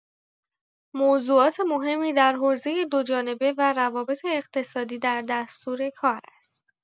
موضوعات مهمی در حوزه دوجانبه و روابط اقتصادی در دستورکار است.